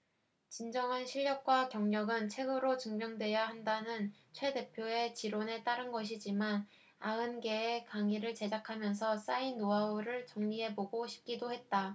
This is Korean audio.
진정한 실력과 경력은 책으로 증명돼야 한다는 최 대표의 지론에 따른 것이지만 아흔 개의 강의를 제작하면서 쌓인 노하우를 정리해보고 싶기도 했다